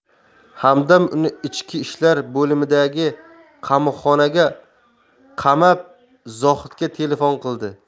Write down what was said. hamdam uni ichki ishlar bo'limidagi qamoqxonaga qamab zohidga telefon qildi